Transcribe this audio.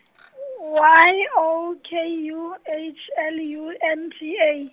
Y O K U H L U N T A.